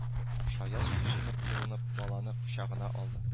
Шаяз чишенеп юынып баланы кочагына алды